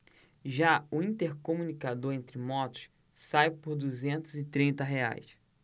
já o intercomunicador entre motos sai por duzentos e trinta reais